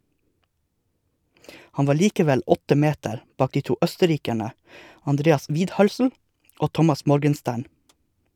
Han var likevel åtte meter bak de to østerrikerne Andreas Widhölzl og Thomas Morgenstern.